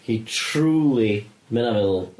He truly, m'e ynna feddwl